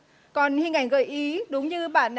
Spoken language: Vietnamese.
còn hình ảnh gợi ý đúng như bạn